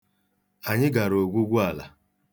Anyị gara ogwugwu ala.